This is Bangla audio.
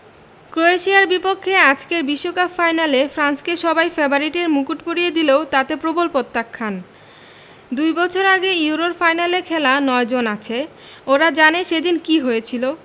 ক্রোয়েশিয়ার বিপক্ষে আজকের বিশ্বকাপ ফাইনালে ফ্রান্সকে সবাই ফেভারিটের মুকুট পরিয়ে দিলেও তাতে প্রবল পত্যাখ্যান দুই বছর আগে ইউরোর ফাইনালে খেলা ৯ জন আছে ওরা জানে সেদিন কী হয়েছিল